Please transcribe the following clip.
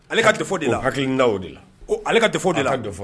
Ale ka de de haki da o de la ko ale ka de fɔ de' afɔ